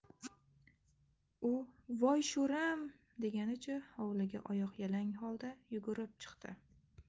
u voy sho'rim deganicha hovliga oyoqyalang holda yugurib chiqdi